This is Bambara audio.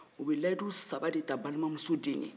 u bi layidu saba de ta ba